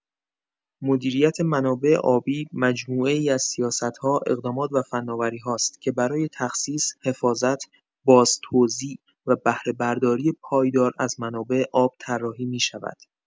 مدیریت منابع آبی مجموعه‌ای از سیاست‌ها، اقدامات و فناوری‌هاست که برای تخصیص، حفاظت، بازتوزیع و بهره‌برداری پایدار از منابع آب طراحی می‌شود.